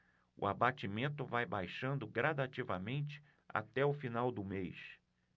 o abatimento vai baixando gradativamente até o final do mês